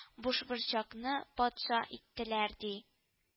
Бушборчакны патша иттеләр, ди